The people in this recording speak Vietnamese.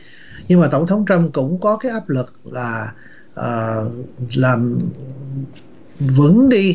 nhưng mà tổng thống trăm cũng có cái áp lực là ờ làm vướng đi